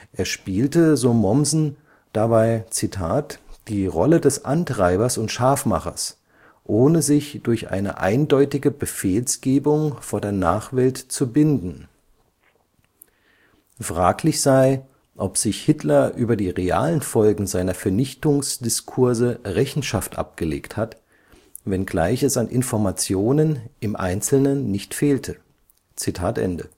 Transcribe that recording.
Er spielte, so Mommsen, dabei „ die Rolle des Antreibers und Scharfmachers, ohne sich durch eine eindeutige Befehlsgebung vor der Nachwelt zu binden. “Fraglich sei, „ ob sich Hitler über die realen Folgen seiner Vernichtungsdiskurse Rechenschaft abgelegt hat, wenngleich es an Informationen im einzelnen nicht fehlte. “In